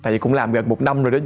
tại vì cũng làm gần một năm rồi đó